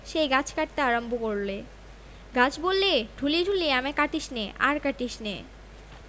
সেই গাছ কাটতে আরম্ভ করলে গাছ বললে চুলি ঢুলি আমায় কাটিসনে আর কাটিসনে